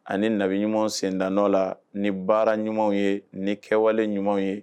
Ani nabi ɲumanw sendatɔ la ni baara ɲumanw ye ni kɛwale ɲumanw ye